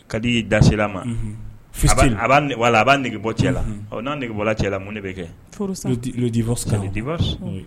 Ka di i'i dasira ma fi wala a b'a nɛgɛge bɔ cɛ la ɔ n'agebɔ cɛ la mun de bɛ kɛ di